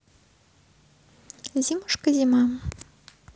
зимушка зима